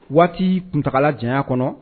Waati kuntaala jan kɔnɔ